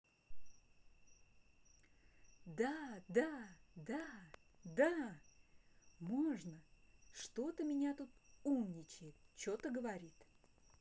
да да да да можно что то меня тут умничает че то говорит